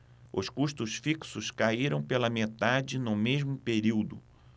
os custos fixos caíram pela metade no mesmo período